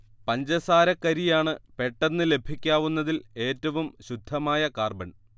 പഞ്ചസാരക്കരിയാണ് പെട്ടെന്ന് ലഭിക്കാവുന്നതിൽ ഏറ്റവും ശുദ്ധമായ കാർബൺ